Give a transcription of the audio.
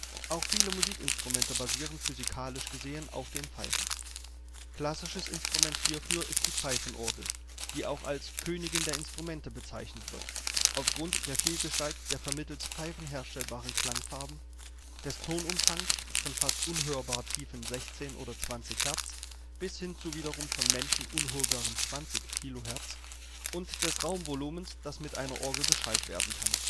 Auch viele Musikinstrumente basieren physikalisch gesehen auf dem Pfeifen. Klassisches Instrument hierfür ist die Pfeifenorgel, die auch als „ Königin der Instrumente “bezeichnet wird aufgrund der Vielgestalt der vermittels Pfeifen herstellbaren Klangfarben, des Tonumfanges (von fast unhörbar tiefen 16 oder 20 Hertz bis hin zu wiederum von Menschen unhörbaren 20 kHz) und des Raumvolumens, das mit einer Orgel beschallt werden kann